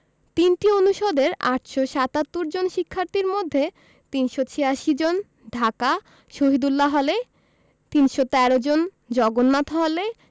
৩টি অনুষদের ৮৭৭ জন শিক্ষার্থীর মধ্যে ৩৮৬ জন ঢাকা শহীদুল্লাহ হলে ৩১৩ জন জগন্নাথ হলে